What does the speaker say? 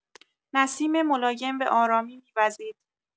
نسیم ملایم به‌آرامی می‌وزید.